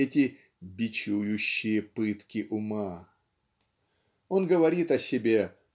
эти "бичующие пытки ума". Он говорит о себе